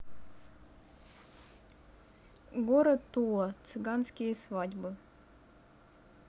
город тула цыганские свадьбы